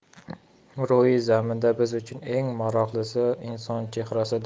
ro'yi zaminda biz uchun eng maroqlisi inson chehrasidir